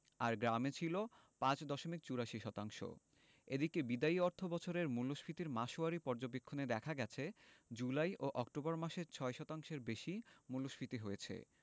আর গ্রামে ছিল ৫ দশমিক ৮৪ শতাংশ এদিকে বিদায়ী অর্থবছরের মূল্যস্ফীতির মাসওয়ারি পর্যবেক্ষণে দেখা গেছে জুলাই ও অক্টোবর মাসে ৬ শতাংশের বেশি মূল্যস্ফীতি হয়েছে